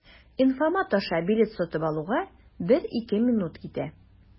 Инфомат аша билет сатып алуга 1-2 минут китә.